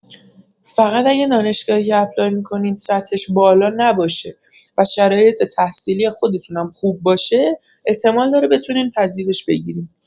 فقط اگه دانشگاهی که اپلای می‌کنین سطحش بالا نباشه و شرایط تحصیلی خودتون هم خوب باشه احتمال داره بتونین پذیرش بگیرین